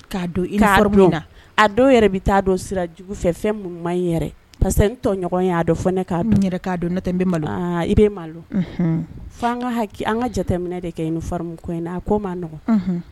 A yɛrɛ bɛ sira jugu fɛ fɛn minnu in que n tɔ ɲɔgɔn'a dɔn nea fo ka an kaminɛ de kɛ in ko maɔgɔn